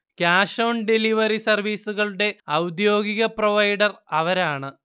cash on delivery സർവ്വീസുകളുടെ ഔദ്യോഗിക provider അവരാണ്